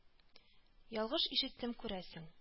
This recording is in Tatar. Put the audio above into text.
Ялгыш ишеттем, күрәсең